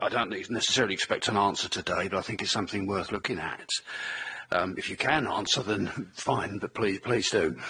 I don't need- necessarily expect an answer today, but I think it's something worth looking at. It's if you can answer then fine, but please do.